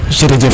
jerejef